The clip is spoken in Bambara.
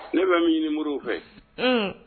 Ne bɛ min ɲini Modibo fɛ, unhun,